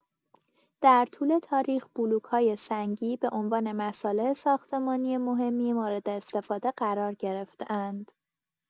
در طول تاریخ، بلوک‌های سنگی به عنوان مصالح ساختمانی مهمی مورداستفاده قرار گرفته‌اند.